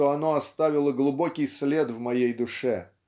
что оно оставило глубокий след в моей душе.